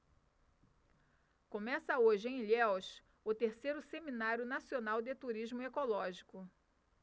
começa hoje em ilhéus o terceiro seminário nacional de turismo ecológico